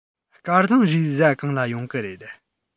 སྐལ བཟང རེས གཟའ གང ལ ཡོང གི རེད